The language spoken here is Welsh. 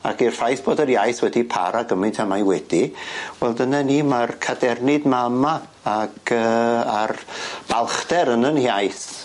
Ac i'r ffaith bod yr iaith wedi para gymaint â mae wedi wel dyna ni ma'r cadernid 'ma yma ac yy a'r balchder yn 'yn hiaith.